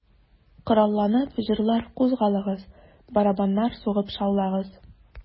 Коралланып, җырлар, кузгалыгыз, Барабаннар сугып шаулагыз...